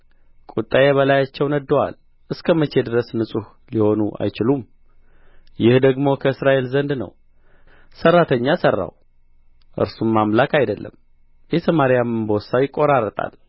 ቍጣዬ በላያቸው ነድዶአል እስከ መቼ ድረስ ንጹሕ ሊሆኑ አይችሉም ይህ ደግሞ ከእስራኤል ዘንድ ነው ሠራተኛ ሠራው እርሱም አምላክ አይደለም የሰማርያም እምቦሳ ይቈራረጣል